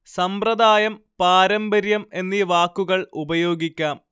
സമ്പ്രദായം പാരമ്പര്യം എന്നീ വാക്കുകൾ ഉപയോഗിക്കാം